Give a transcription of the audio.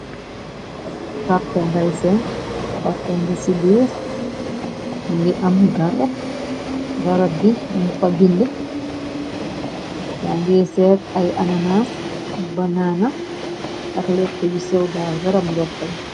Kartong gay sen, kartong bi ci birr mingi am garab, garab bi nu fa bindi. Ya nge seet ay ananas, banaana, ak lekk yu sew daal, garam lekkala.